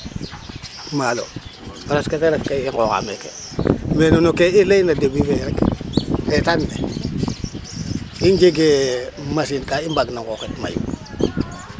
Maalo presque ten refu ke i nqooxaq meeke me ke i layna no début fe rek eetaan ke i njegee machine ka i mbaagna nqooxit mayu.